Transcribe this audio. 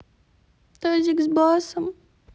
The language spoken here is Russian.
тазик с басом